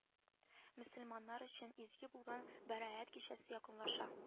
Мөселманнар өчен изге булган бәраәт кичәсе якынлаша